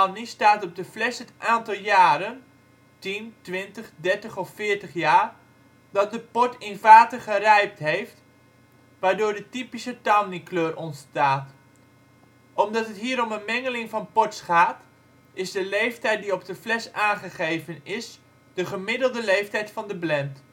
de fles het aantal jaren (10, 20, 30, 40 jaar) dat de port in vaten gerijpt heeft, waardoor de typische tawny-kleur ontstaat. Omdat het hier om een mengeling van ports gaat, is de leeftijd die op de fles aangegeven is, de gemiddelde leeftijd van de blend